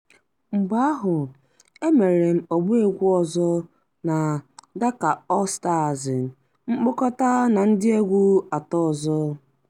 Mgbe ahụ, emere m ọbaegwu ọzọ na Dakar All Stars, mkpokọta na ndị egwu 3 ọzọ.